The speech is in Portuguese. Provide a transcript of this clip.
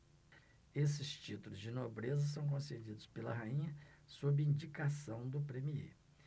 esses títulos de nobreza são concedidos pela rainha sob indicação do premiê